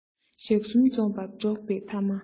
ཞག གསུམ འཛོམས པ འགྲོགས པའི ཐ མ